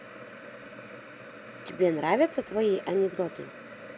тебе нравятся твои анекдоты